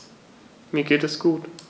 Mir geht es gut.